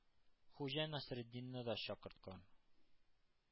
Хуҗа Насретдинны да чакырткан.